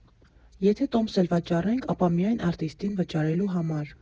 Եթե տոմս էլ վաճառենք, ապա միայն արտիստին վճարելու համար։